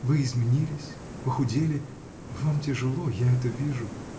Вы изменились, похудели, вам тяжело, — я это вижу.